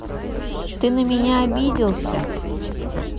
ты на меня обиделся